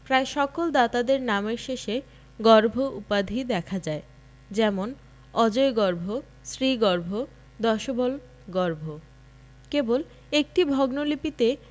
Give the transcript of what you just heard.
প্রায় সকল দাতাদের নামের শেষে গর্ভ উপাধি দেখা যায় যেমন অজয়গর্ভ শ্রীগর্ভ দশবলগর্ভ কেবল একটি ভগ্ন লিপিতে